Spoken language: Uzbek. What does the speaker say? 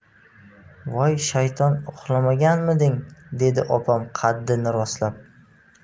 voy shayton uxlamaganmiding dedi opam qaddini rostlab